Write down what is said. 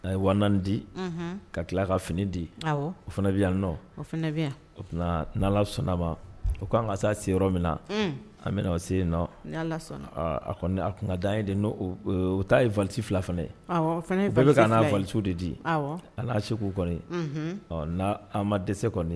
A ye w di ka tila ka fini di o fana bɛ yan nɔ sɔnna' ma o an ka se se yɔrɔ min na an bɛna o se yen nɔn kɔni a tun da ye de u taa ye vti fila fana ye bɛɛ bɛ ka n' valiso de di ala seko kɔni n' an ma dɛsɛse kɔni